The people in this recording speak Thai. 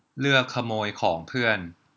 เลือกขโมยของเพื่อน